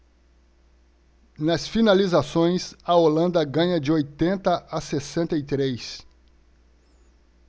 nas finalizações a holanda ganha de oitenta a sessenta e três